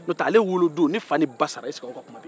n'o tɛ ale wolodon ni fa ni ba tun sara yala aw ka kuma bɛ fɔ wa